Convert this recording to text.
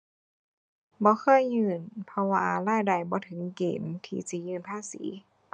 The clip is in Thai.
บ่เคยยื่นเพราะว่ารายได้บ่ถึงเกณฑ์ที่สิยื่นภาษี